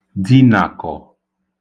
dīnàkọ̀